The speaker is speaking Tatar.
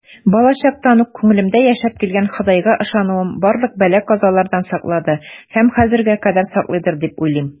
Балачактан ук күңелемдә яшәп килгән Ходайга ышануым барлык бәла-казалардан саклады һәм хәзергә кадәр саклыйдыр дип уйлыйм.